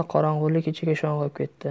qorong'ilik ichiga sho'ng'ib ketdi